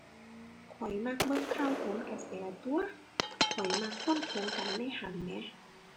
ข้อยมักเบิ่งข่าวโหนกระแสตั่ว ข้อยมักคนเถียงกันในหั้นแหม